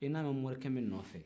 e nana morikɛ min nɔ ffɛ